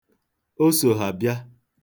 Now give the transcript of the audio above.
O so ha bịa.